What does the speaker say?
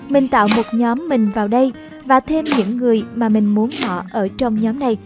mình tạo nhóm mình vào đây và thêm những người mà mình muốn họ ở trong nhóm này